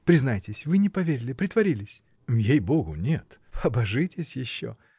Признайтесь, вы не поверили, притворились?. — Ей-богу, нет. — Побожитесь еще!